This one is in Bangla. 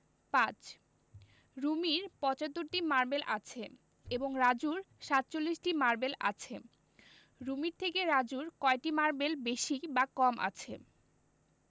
৫ রুমির ৭৫টি মারবেল আছে এবং রাজুর ৪৭টি মারবেল আছে রুমির থেকে রাজুর কয়টি মারবেল বেশি বা কম আছে